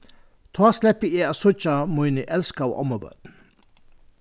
tá sleppi eg at síggja míni elskaðu ommubørn